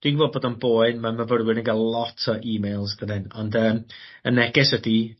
dwi'n gwbo bod o'n boen ma'n myfyrwyr yn ga'l lot o emails dydyn ond yym y neges ydi